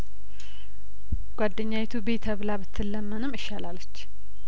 ጓደኛዪቱ ብዪ ተብላ ብትለመንም እሺ አላለች